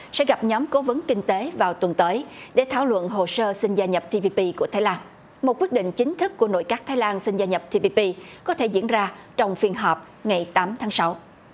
sẽ gặp nhóm cố vấn kinh tế vào tuần tới để thảo luận hồ sơ xin gia nhập ti pi pi của thái lan một quyết định chính thức của nội các thái lan xin gia nhập ti pi pi có thể diễn ra trong phiên họp ngày tám tháng sáu